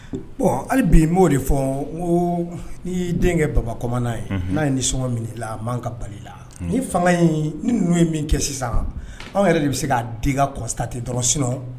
Hali bi' oo de fɔ ni denkɛ baba ye n'a ye ni sɔngɔ min ka la ni fanga in ni ye min kɛ sisan anw yɛrɛ de bɛ se k'a kɔta tɛ dɔrɔns